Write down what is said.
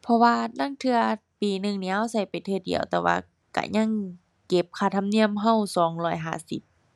เพราะว่าลางเทื่อ ปีหนึ่งนี่คิดคิดไปเทื่อเดียวคิดยังเก็บค่าธรรมเนียมคิดสองร้อยห้าสิบ